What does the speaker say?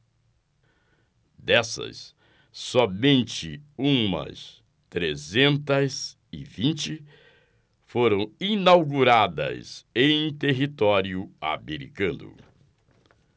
dessas somente umas trezentas e vinte foram inauguradas em território americano